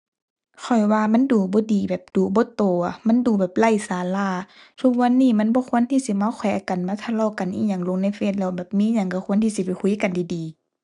ข้อยว่ามันดูบ่ดีแบบ ดูบ่โตอะ มันดูแบบไร้สาระ ทุกวันนี้มันบ่ควรที่สิมาแขวะกัน มาทะเลาะกันอิหยังลงในเฟซแล้ว แบบมีหยังก็ควรที่สิไปคุยกันดีดี